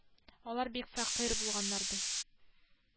Алар бик фәкыйрь булганнар ди